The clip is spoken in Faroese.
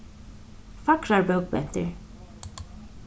fagrar bókmentir